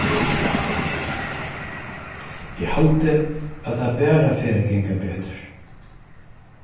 eg haldi at tað bara fer at ganga betur